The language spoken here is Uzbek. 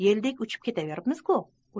yeldek uchib ketaveribmiz u